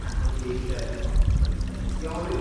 a o'n i eisie colli pwyse, nes i ofyn i...